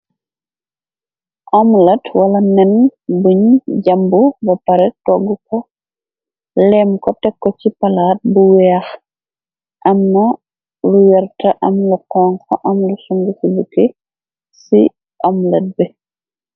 Omlet wala nen buñ jàmbu ba pare toggu ko, lém ko tekko ci palaat bu weex, am na lu werta am la xonxa, am lu suñguf si bukki ci amlad bi